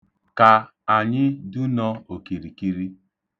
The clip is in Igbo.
Ka anyị dunọ okirkiri.